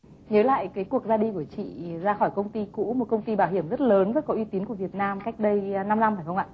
nhớ lại cái cuộc ra đi của chị ra khỏi công ty cũ một công ty bảo hiểm rất lớn và có uy tín của việt nam cách đây năm năm phải không ạ